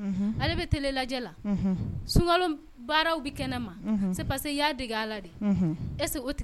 Sun baaraw bɛ kɛnɛ ma se pa' dege ala de e